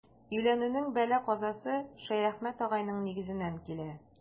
Өйләнүнең бәла-казасы Шәяхмәт агайның нигезеннән килә.